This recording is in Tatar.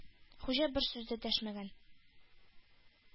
Хуҗа бер сүз дә дәшмәгән.